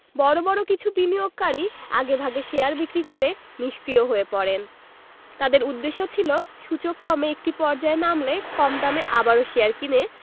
বড় বড় কিছু বিনিয়োগকারী আগেভাগে শেয়ার বিক্রি করে নিষ্ক্রিয় হয়ে পড়েন তাঁদের উদ্দেশ্য ছিল সূচক কমে একটি পর্যায়ে নামলে কম দামে আবারও শেয়ার কিনে